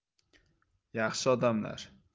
yaxshi odamlar